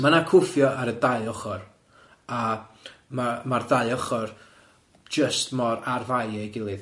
Ma' na cwffio ar y dau ochor, a ma' ma'r dau ochor jyst mor ar fai ei gilydd.